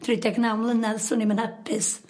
...dri deg naw mlynadd swn i'm yn hapus